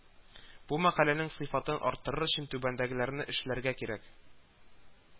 Бу мәкаләнең сыйфаты арттырыр өчен түбәндәгеләрне эшләргә кирәк